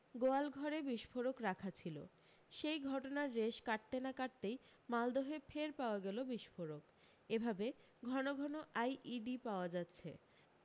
গোয়ালঘরে বিস্ফোরক রাখা ছিল সেই ঘটনার রেশ কাটতে না কাটতেই মালদহে ফের পাওয়া গেল বিস্ফোরক এভাবে ঘন ঘন আইইডি পাওয়া যাচ্ছে